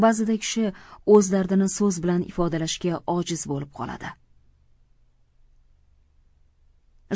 ba'zida kishi o'z dardini so'z bilan ifodalashga ojiz bo'lib qoladi